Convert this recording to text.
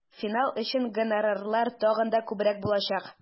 Финал өчен гонорарлар тагын да күбрәк булачак.